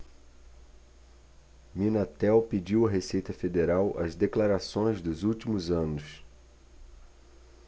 minatel pediu à receita federal as declarações dos últimos anos